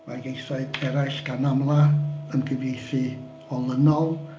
Ma' ieithoedd eraill gan amla yn cyfieithu olynol.